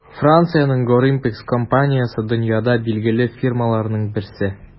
Франциянең Gorimpex компаниясе - дөньяда билгеле фирмаларның берсе.